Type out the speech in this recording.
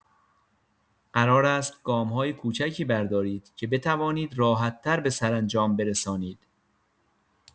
قرار است گام‌های کوچکی بردارید که بتوانید راحت‌تر به سرانجام برسانید.